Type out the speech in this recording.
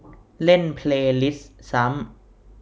เล่นเพลย์ลิสซ้ำ